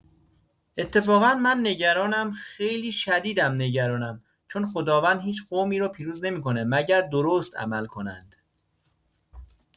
اتفاقا من نگرانم خیلی شدیدم نگرانم چون خداوند هیچ قومی رو پیروز نمی‌کنه مگر درست عمل کنند.